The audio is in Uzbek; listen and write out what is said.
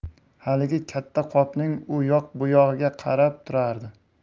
haligi katta qopning u yoq bu yog'iga qarab turardi